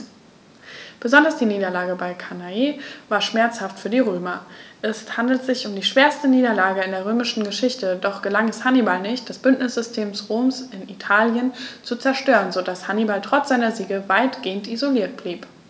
Besonders die Niederlage bei Cannae war schmerzhaft für die Römer: Es handelte sich um die schwerste Niederlage in der römischen Geschichte, doch gelang es Hannibal nicht, das Bündnissystem Roms in Italien zu zerstören, sodass Hannibal trotz seiner Siege weitgehend isoliert blieb.